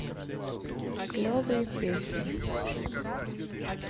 клевые песни